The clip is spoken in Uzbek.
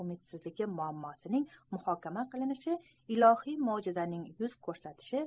umidsizligi muammosining muhokama qilinishi ilohiy mo'jizaning yuz ko'rsatishi